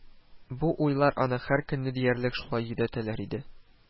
Бу уйлар аны һәр көнне диярлек шулай йөдәтәләр иде